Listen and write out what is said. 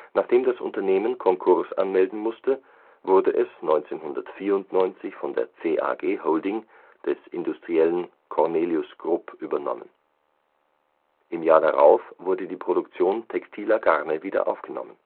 Nachdem das Unternehmen Konkurs anmelden musste, wurde es 1994 von der CAG Holding des Industriellen Cornelius Grupp übernommen. Im Jahr darauf wurde die Produktion textiler Garne wiederaufgenommen